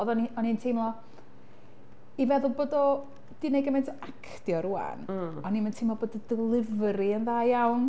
Oeddwn i'n o'n i'n teimlo, i feddwl bod o 'di wneud gymaint o actio rŵan, o'n i'm yn teimlo bod y delivery yn dda iawn.